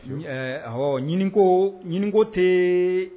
ee awɔɔ ɲini ko ɲini ko tee